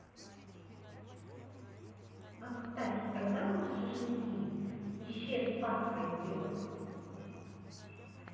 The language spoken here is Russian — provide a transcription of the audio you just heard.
а кстати когда мы на шашлыки исчез пасха идет